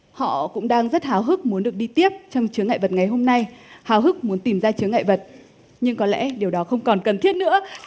họ cũng đang rất háo hức muốn được đi tiếp trong chướng ngại vật ngày hôm nay háo hức muốn tìm ra chướng ngại vật nhưng có lẽ điều đó không còn cần thiết nữa